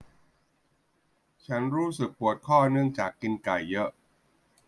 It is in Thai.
ฉันรู้สึกปวดข้อเนื่องจากกินไก่เยอะ